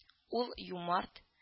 Ул юмарт